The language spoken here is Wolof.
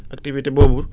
activité boobu